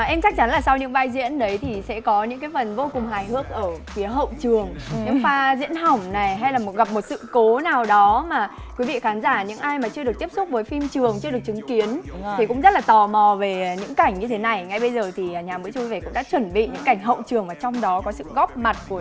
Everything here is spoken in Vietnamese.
em chắc chắn là sau những vai diễn đấy thì sẽ có những cái phần vô cùng hài hước ở phía hậu trường những pha diễn hỏng này hay gặp sự cố nào đó mà quý vị khán giả những ai mà chưa được tiếp xúc với phim trường chưa được chứng kiến thì cũng rất là tò mò về những cảnh như thế này ngay bây giờ thì nhà bữa trưa vui vẻ cũng đã chuẩn bị những cảnh hậu trường trong đó có sự góp mặt của